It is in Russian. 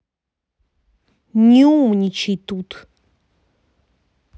не умничай тут